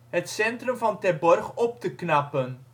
het centrum van Terborg op te knappen